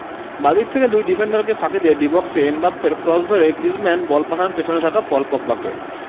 বাঁ দিক থেকে দুই ডিফেন্ডারকে ফাঁকি দিয়ে ডি বক্সে এমবাপ্পের ক্রস ধরে গ্রিজমান বল পাঠান পেছনে থাকা পল পগবাকে